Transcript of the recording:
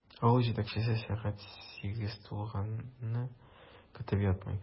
Авыл җитәкчесе сәгать сигез тулганны көтеп ятмый.